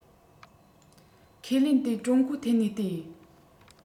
ཁས ལེན དེ ཀྲུང གོའི ཐད ནས བལྟས